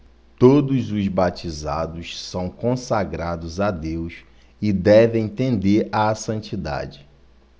todos os batizados são consagrados a deus e devem tender à santidade